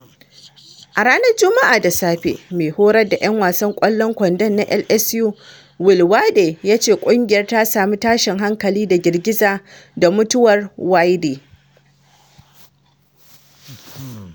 A ranar Juma’a da safe, mai horar da ‘yan wasan ƙwallon kwandon na LSU Will Wade ya ce ƙungiyar ta sami “tashin hankali” da “girgiza” da mutuwar ta Wayde.